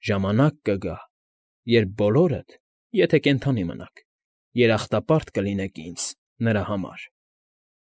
Ժամանակ կգա, երբ բոլորդ (եթե կենդանի մնաք) երախտապարտ կլինեք ինձ՝ նրա համար։